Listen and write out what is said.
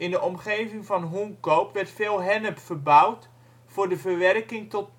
de omgeving van Hoenkoop werd veel hennep verbouwd voor de verwerking tot